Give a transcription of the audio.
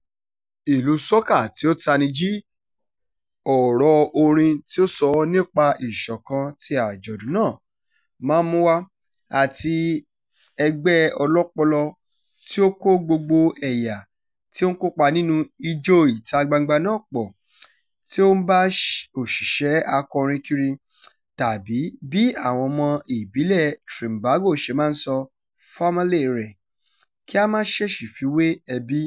ìlù "soca tí ó tani jí", ọ̀rọ̀ orin tí ó sọ nípa ìṣọ̀kan tí àjọ̀dún náà máa ń mú wá, àti ègbé ọlọ́pọlọ tí ó kó gbogbo ẹ̀yà tí ó ń kópa nínú Ijó ìta-gbangba náà pọ̀ — tí ó ń bá òṣìṣẹ́ akọrin kiri, tàbí bí àwọn ọmọ ìbílẹ̀ Trinbago ṣe máa ń sọ, “famalay” rẹ (kí a máà ṣèṣì fi wé “ẹbí”) :